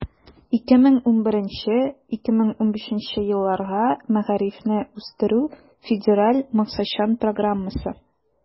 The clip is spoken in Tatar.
2011 - 2015 елларга мәгарифне үстерү федераль максатчан программасы.